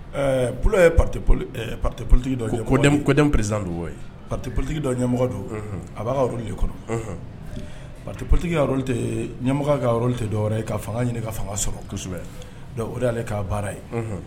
Ɛɛ poli patepolitigi dɔ kod perez don patepolitigi dɔ ɲɛmɔgɔdu a b'a ka de kɔnɔ paolitigi ɲɛmɔgɔ ka tɛ dɔw ye ka fanga ɲini ka fanga sɔrɔ kosɛbɛ oale kaa baara ye